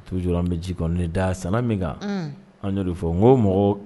Toujours an bɛ ji kɔni da sɛnɛ min kan, uur an bɛ jik da san min kan, un an y'o fɔ n ko mɔgɔ